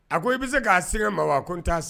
A ko i bɛ se k'a segin ma wa ko n'